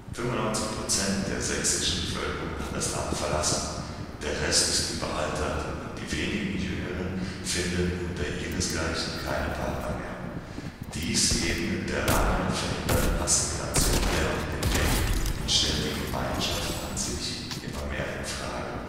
95% der sächsischen Bevölkerung hat das Land verlassen, der Rest ist überaltert und die wenigen Jüngeren finden unter ihresgleichen keine Partner mehr. Dies ebnet der lange verhinderten Assimilation dennoch den Weg und stellt die Gemeinschaft an sich immer mehr in Frage